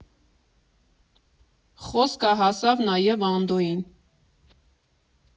Խոսքը հասավ նաև Անդոյին.